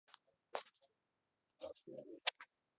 так не ори